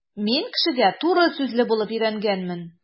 Мин кешегә туры сүзле булып өйрәнгәнмен.